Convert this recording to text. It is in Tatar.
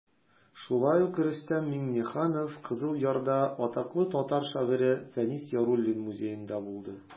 Шулай ук Рөстәм Миңнеханов Кызыл Ярда атаклы татар шагыйре Фәнис Яруллин музеенда булды.